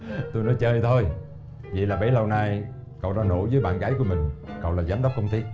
tôi nói chơi thôi vậy là bấy lâu nay cậu đã lộ với bạn gái của mình cậu là giám đốc công ty